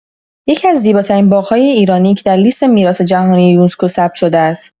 یکی‌از زیباترین باغ‌های ایرانی که در لیست میراث جهانی یونسکو ثبت شده است.